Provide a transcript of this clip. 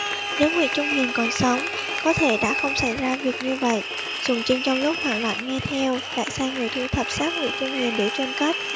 nếu ngụy trung hiền còn sống có thể đã không xảy ra việc như vậy sùng trinh trong lúc hoảng loạn nghe theo lại sai người thu thập xác ngụy trung hiền để chôn cất